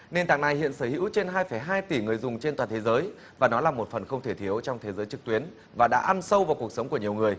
nền tảng này hiện sở hữu trên hai phẩy hai tỷ người dùng trên toàn thế giới và nó là một phần không thể thiếu trong thế giới trực tuyến và đã ăn sâu vào cuộc sống của nhiều người